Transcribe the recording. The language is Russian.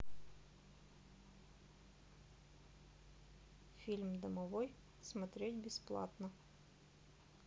фильм домовой смотреть бесплатно